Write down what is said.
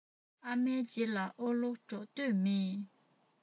ཨ མའི རྗེས ལ ཨོ ལོ འགྲོ མདོག མེད